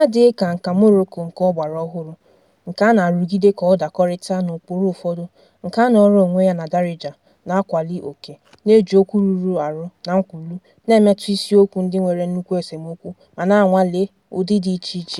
N'adịghị ka nkà Morocco nke ọgbaraọhụrụ, nke a na-arụgide ka ọ dakọrịta n'ụkpụrụ ụfọdụ, nkà nọọrọ onwe ya na Darija na-akwali ókè, na-eji okwu rụrụ arụ na nkwulu, na-emetụ isiokwu ndị nwere nnukwu esemokwu, ma na-anwale ụdị dị icheiche.